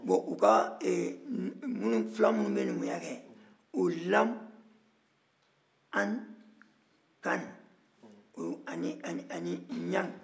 bon u fila minnu bɛ numuya kɛ o ye lamu ani kani ani ɲangi